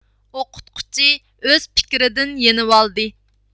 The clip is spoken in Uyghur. ئوقۇتقۇچى ئۆز پىكرىدە يېنىۋالدى